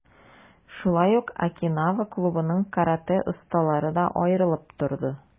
Шулай ук, "Окинава" клубының каратэ осталары да аерылып торды.